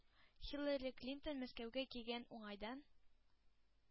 Хиллари Клинтон Мәскәүгә килгән уңайдан